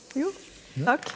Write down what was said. jo takk.